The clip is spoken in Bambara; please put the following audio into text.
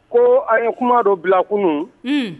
Ko an ye kuma dɔ bila kunun